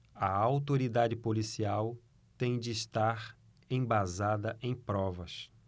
a autoridade policial tem de estar embasada em provas